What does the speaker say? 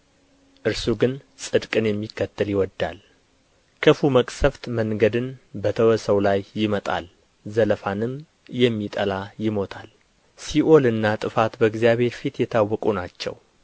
እርሱ ግን ጽድቅን የሚከተል ይወድዳል ክፉ መቅሠፍት መንገድን በተወ ሰው ላይ ይመጣል ዘለፋንም የሚጠላ ይሞታል ሲኦልና ጥፋት በእግዚአብሔር ፊት የታወቁ ናቸው